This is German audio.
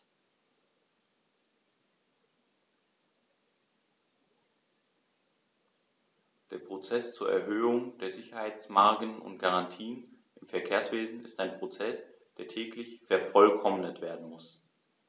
Der Prozess zur Erhöhung der Sicherheitsmargen und -garantien im Verkehrswesen ist ein Prozess, der täglich vervollkommnet werden muss.